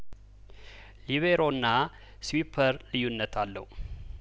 ሊቤሮ እና ስዊፐር ልዩነት አለው